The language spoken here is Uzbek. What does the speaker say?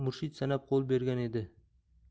murshid sanab qo'l bergan edi